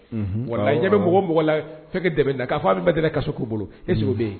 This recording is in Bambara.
Unhun wa awɔ awɔ a ɲɛbɛ mɔgɔ mɔgɔ la y fɛnkɛ dɛmɛni na k'a fɔ a min ma deli ka kaso k'u bolo est ce que o be ye